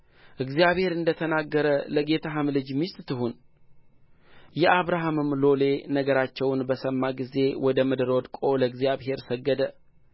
እግዚአብሔር እንደ ተናገረ ለጌታህም ልጅ ሚስት ትሁን የአብርሃምም ሎሌ ነገራቸውን በሰማ ጊዜ ወደ ምድር ወድቆ ለእግዚአብሔር ሰገደ